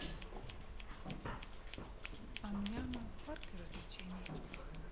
ам няма в парке развлечений